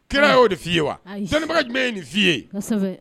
Kira y'o de f'i ye wa? Ayi. Dɔnibaga jumɛn ye nin f'i ye? Kosɔbɛ.